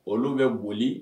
Olu bɛ boli